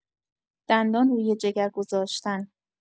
دندان روی جگر گذاشتن